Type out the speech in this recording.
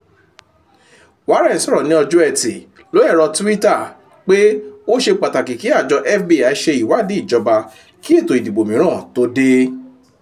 Warren sọ̀rọ̀ ní ọjọ́ ẹtì lórí ẹ̀rọ tíwítà pé ó ṣe pàtàkì kí àjọ FBI ṣe ìwádìí ìjọba kí ètò ìdìbò mìíràn tó dé."